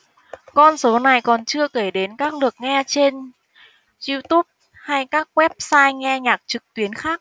con số này còn chưa kể đến các lượt nghe trên youtube hay các website nghe nhạc trực tuyến khác